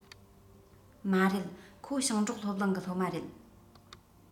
མ རེད ཁོ ཞིང འབྲོག སློབ གླིང གི སློབ མ རེད